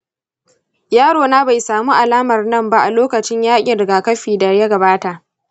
yaro na bai samu alamar nan ba a lokacin yaƙin rigakafin da ya gabata.